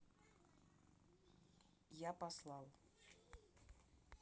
я послал